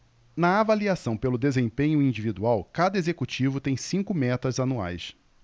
na avaliação pelo desempenho individual cada executivo tem cinco metas anuais